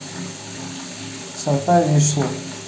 сорта вишни